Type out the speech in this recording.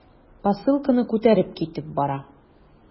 Посылканы күтәреп китеп бара.